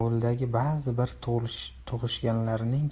ovuldagi ba'zi bir tug'ishganlarining